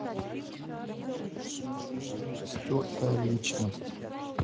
стертая личность